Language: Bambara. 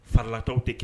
Faralatɔ tɛ ke